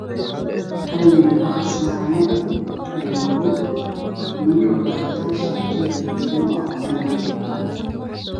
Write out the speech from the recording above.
Waa wiil timo badan oo shati buluug wata oo buug akhrinaayo